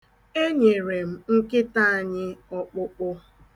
Enyere m nkịta anyị ọkpụkpụ.